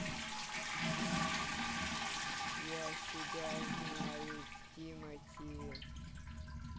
я себя знаю с тимати